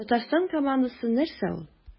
Татарстан командасы нәрсә ул?